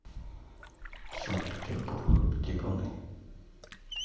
санкт петербург дибуны